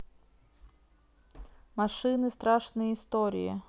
машины страшные истории